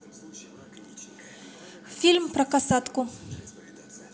фильм про касатку